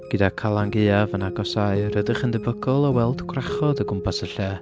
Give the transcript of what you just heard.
Gyda Calan Gaeaf yn agosáu rydych yn debygol o weld gwrachod o gwmpas y lle.